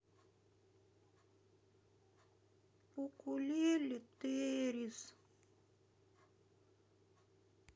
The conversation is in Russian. укулеле террис